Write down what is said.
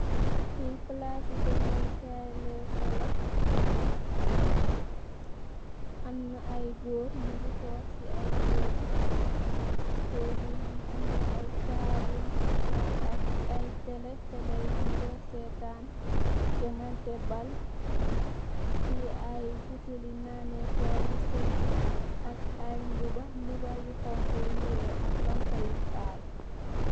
fi palass ci deme kay tekka la am na ay goor nu ngi tokk ci ay tugu tugu gi nu ngi amme ay tabul ak ay tele nu nga setan jugan te bal fi ay butail li nann ne kai lu ceda ak ay mbubba mbubba yu xawha